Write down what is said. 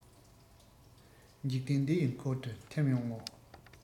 འཇིག རྟེན འདི ཡི འཁོར དུ ཐིམ ཡོང ངོ